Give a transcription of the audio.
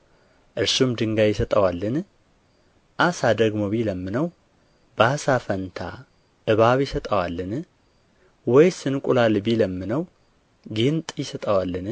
እርሱም ድንጋይ ይሰጠዋልን ዓሣ ደግሞ ቢለምነው በዓሣ ፋንታ እባብ ይሰጠዋልን ወይስ እንቍላል ቢለምነው ጊንጥ ይሰጠዋልን